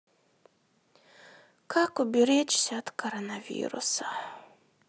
как уберечься от коронавируса